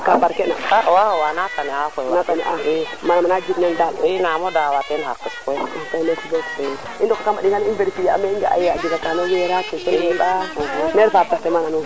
manam rewe gambaro njeg teeno ndaay o leŋna den ware fuux non par compte sax o tew ware fuuxa tout le temps meke ka ref baneex te ref bes fa maak te jag le el rew we te ref mbekte fa maak nam o mbekte fa maak daal in rew we